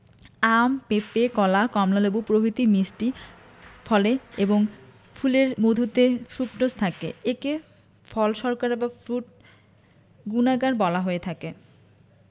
আম পেপে কলা কমলালেবু প্রভিতি মিষ্টি ফলে এবং ফুলের মধুতে ফ্রুকটোজ থাকে একে ফল শর্করা বা ফ্রুট গুনাগার বলা হয়ে থাকে